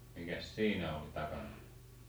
mikäs siinä oli takana